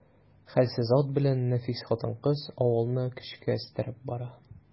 Хәлсез ат белән нәфис хатын-кыз авылны көчкә өстерәп бара.